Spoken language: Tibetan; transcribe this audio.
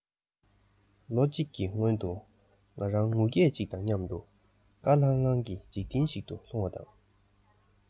ལོ གཅིག གི སྔོན དུ ང རང ངུ སྐད གཅིག དང མཉམ དུ དཀར ལྷང ལྷང གི འཇིག རྟེན ཞིག ཏུ ལྷུང བ དང